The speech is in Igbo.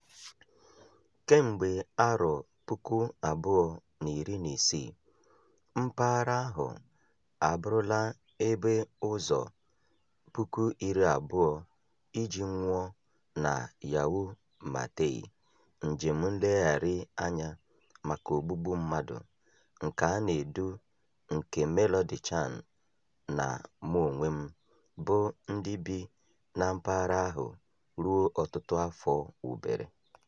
Kemgbe 2016, mpaghara ahụ abụrụla ebe "ụzọ 20,000 iji nwụọ na Yau Ma Tei", "njem nlegharị anya maka ogbugbu mmadụ" nke a na-edu nke Melody Chan na mụ onwe m, bụ ndị bi na mpaghara ahụ ruo ọtụtụ afọ wubere.